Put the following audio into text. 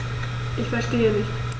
Ich verstehe nicht.